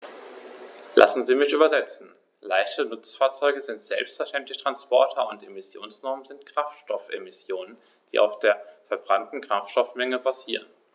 Lassen Sie mich übersetzen: Leichte Nutzfahrzeuge sind selbstverständlich Transporter, und Emissionsnormen sind Kraftstoffemissionen, die auf der verbrannten Kraftstoffmenge basieren.